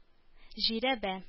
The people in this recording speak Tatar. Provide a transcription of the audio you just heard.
Жирәбә